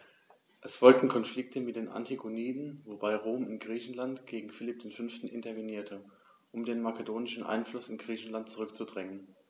Es folgten Konflikte mit den Antigoniden, wobei Rom in Griechenland gegen Philipp V. intervenierte, um den makedonischen Einfluss in Griechenland zurückzudrängen.